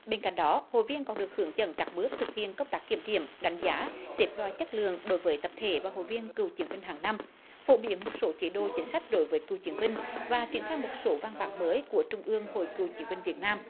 bên cạnh đó hội viên còn được hướng dẫn các bước thực hiện công tác kiểm điểm đánh giá xếp loại chất lượng đối với tập thể và hội viên cựu chiến binh hằng năm phổ biến một số chế độ chính sách đối với cựu chiến binh và triển khai một số văn bản mới của trung ương hội cựu chiến binh việt nam